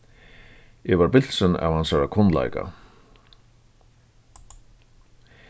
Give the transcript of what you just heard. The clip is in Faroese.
eg varð bilsin av hansara kunnleika